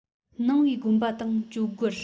ནང བའི དགོན པ དང ཇོ སྒར